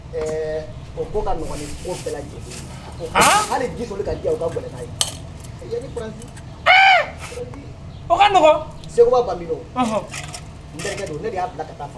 Ɛɛ o ka koj hali ji boli ka ja ka ye ka segu ban don ne de y'a bila taa